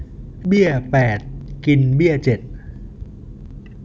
เบี้ยแปดกินเบี้ยเจ็ด